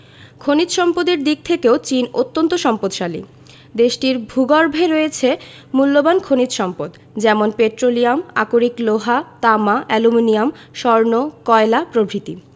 খনিজ সম্পদের দিক থেকেও চীন অত্যান্ত সম্পদশালী দেশটির ভূগর্ভে রয়েছে মুল্যবান খনিজ সম্পদ যেমন পেট্রোলিয়াম আকরিক লৌহ তামা অ্যালুমিনিয়াম স্বর্ণ কয়লা প্রভৃতি